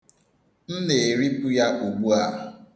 M na-eripụ ya ugbua.